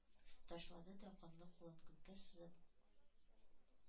Ташлады да, канлы кулын күккә сузып,